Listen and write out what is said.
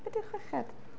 Be di'r chweched?